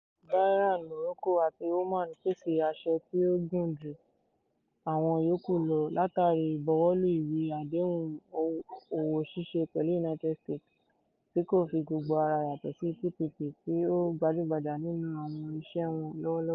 Bahrain, Morocco, àti Oman pèsè àṣẹ tí ó gùn jù àwọn yòókù lọ látàrí ìbuwọ́lù ìwé àdéhùn òwò ṣíṣe pẹ̀lú United States, tí kò fi gbogbo ara yàtọ̀ sí TPP tí ó gbajúgbajà nínú àwọn iṣẹ́ wọn lọ́wọ́ lọ́wọ́.